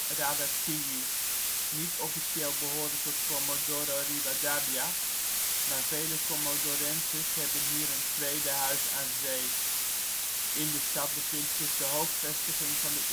Rada Tilly, niet officieel behorend tot Comodoro Rivadavia, maar vele Comodorenses hebben hier een tweede huis aan zee. In de stad bevind zich de hoofdvestiging van de